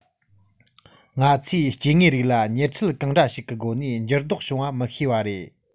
ང ཚོས སྐྱེ དངོས རིགས ལ མྱུར ཚད གང འདྲ ཞིག གི སྒོ ནས འགྱུར ལྡོག བྱུང བ མི ཤེས པ རེད